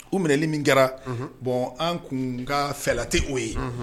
U minɛli min kɛra bɔn an kun ka fɛla tɛ oo ye